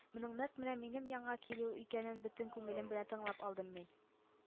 Моның нәкъ менә минем янга килү икәнен бөтен күңелем белән тыңлап алдым мин